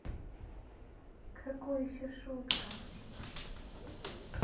какой еще шутка